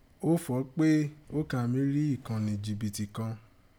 Ó fọ̀ ọ́ pé ó kàn mí rí ìkànnì jìbìtì kàn.